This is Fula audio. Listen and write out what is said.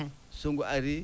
so ngu arii